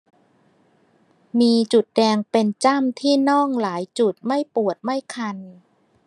มีจุดแดงเป็นจ้ำที่น่องหลายจุดไม่ปวดไม่คัน